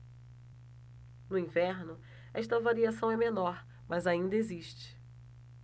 no inverno esta variação é menor mas ainda existe